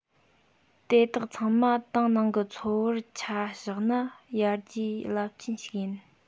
དེ དག ཚང མ ཏང ནང གི འཚོ བར ཆ བཞག ན ཡར རྒྱས རླབས ཆེན ཞིག ཡིན